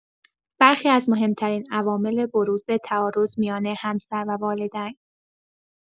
برخی از مهم‌ترین عوامل بروز تعارض میان همسر و والدین